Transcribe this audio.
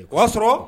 O y'a sɔrɔ